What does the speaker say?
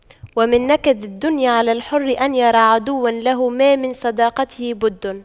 ومن نكد الدنيا على الحر أن يرى عدوا له ما من صداقته بد